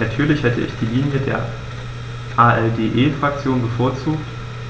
Natürlich hätte ich die Linie der ALDE-Fraktion bevorzugt,